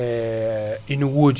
ina wodi